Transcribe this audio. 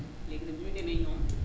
léegi nag ñu ne ne ñoom